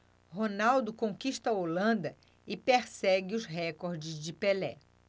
ronaldo conquista a holanda e persegue os recordes de pelé